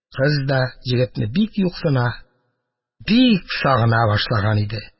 Кыз да егетне бик юксына, бик сагына башлаган иде.